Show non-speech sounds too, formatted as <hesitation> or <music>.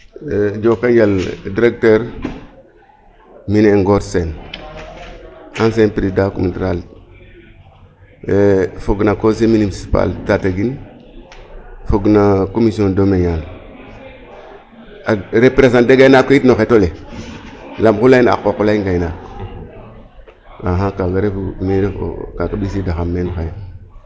EE njooko njal directeur mi' ne'e Ngor Sene ancien président communauté rurale <hesitation> fog na conseil minicipale Tataguine fog no commision <unintelligible> ak représenter gaynaak we yit no xet ole yaam oxu layna a qooq o lay ngaynaak axa kaaga refu mi' refu ka ɓisiidaxam meen xaye.